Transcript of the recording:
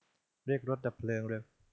เรียกรถดับเพลิงเร็ว